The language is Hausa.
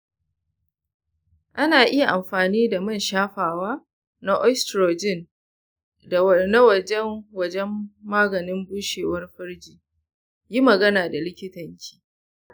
ana iya amfani da man shafawa na oestrogen na waje wajen maganin bushewar farji. yi magana da likitanki.